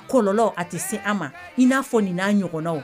Kɔlɔlɔn a tɛ se an ma i n'a fɔ nin n'a ɲɔgɔnna